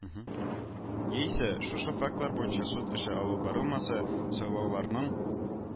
Яисә шушы фактлар буенча суд эше алып барылмаса, сайлауларның